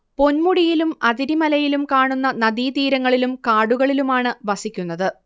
പൊന്മുടിയിലും അതിരിമലയിലും കാണുന്ന നദീതീരങ്ങളിലും കാടുകളിലുമാണ് വസിക്കുനത്